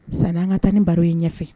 San an ka tan ni baro ye ɲɛfɛ